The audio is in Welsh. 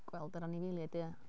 Gweld yr anifeiliaid ia?